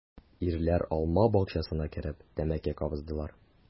Ирләр алма бакчасына кереп тәмәке кабыздылар.